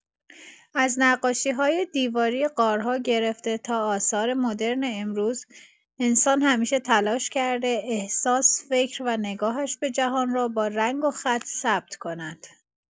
از نقاشی‌های دیواری غارها گرفته تا آثار مدرن امروز، انسان همیشه تلاش کرده احساس، فکر و نگاهش به جهان را با رنگ و خط ثبت کند.